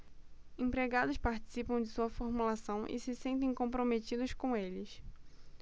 empregados participam da sua formulação e se sentem comprometidos com eles